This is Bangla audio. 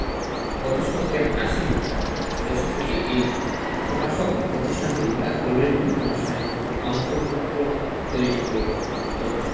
গত শতকের আশির দশক থেকে এই প্রকাশক প্রতিষ্ঠানটি রাজপরিবারের বিভিন্ন অনুষ্ঠানের আমন্তণপত্র তৈরির সঙ্গে যুক্ত